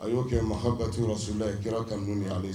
A y'o kɛ mahabati yɔrɔ sunjatada ye kira kaununi ale ye